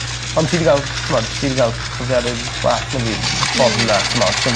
On' ti 'di 'di ga'l t'mod ti 'di ga'l profiade w- wath na fi ffordd yna t'mod so